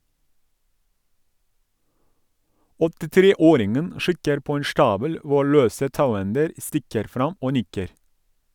83-åringen kikker på en stabel hvor løse tauender stikker fram, og nikker.